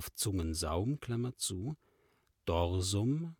Zungensaum) Dorsum